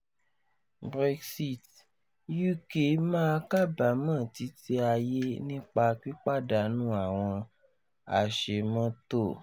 Brexit: UK ‘má kábámọ̀ títí ayé’ nípa pípàdńu àwọn àṣemọ́tò